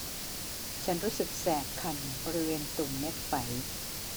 ฉันรู้สึกแสบคันบริเวณตุ่มเม็ดไฝ